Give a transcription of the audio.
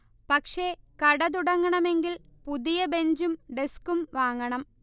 പക്ഷെ കട തുടങ്ങണമെങ്കിൽ പുതിയ ബഞ്ചും ഡസ്ക്കും വാങ്ങണം